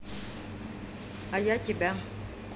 а я тебя